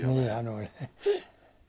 niinhän oli